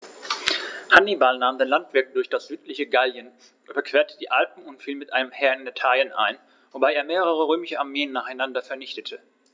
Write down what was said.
Hannibal nahm den Landweg durch das südliche Gallien, überquerte die Alpen und fiel mit einem Heer in Italien ein, wobei er mehrere römische Armeen nacheinander vernichtete.